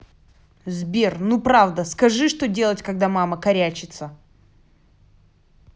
сбер ну правда скажи что делать когда мама корячится